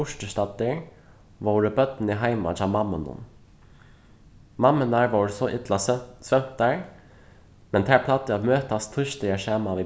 burturstaddir vóru børnini heima hjá mammunum mammurnar vóru so illa svøvntar men tær plagdu at møtast týsdagar saman við